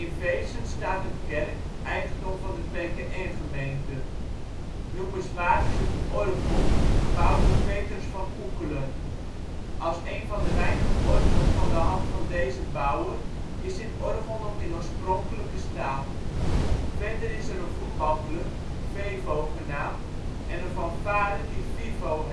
Veessen staat een kerk, eigendom van de PKN-gemeente. Noemenswaard is het orgel, gebouwd door Petrus van Oeckelen. Als een van de weinige orgels van de hand van deze bouwer is dit orgel nog in oorspronkelijke staat. Verder is er een voetbalclub " Vevo " genaamd en een fanfare die " Vivo